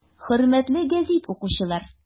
Хөрмәтле гәзит укучылар!